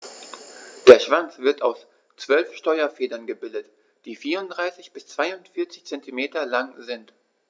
Der Schwanz wird aus 12 Steuerfedern gebildet, die 34 bis 42 cm lang sind.